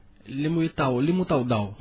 li muy taw li mu taw daaw